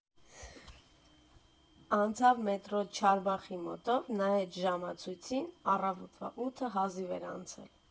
Անցավ մետրո «Չարբախի» մոտով, նայեց ժամացույցին՝ առավոտվա ութը հազիվ էր անցել։